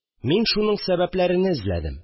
Мин шуның сәбәпләрене эзләдем